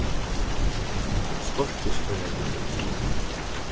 skorpisoyrarvegur